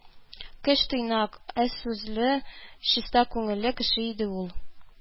Кеч тыйнак, аз сүзле, чиста күңелле кеше иде ул